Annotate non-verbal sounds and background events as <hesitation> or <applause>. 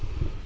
<hesitation> <hesitation>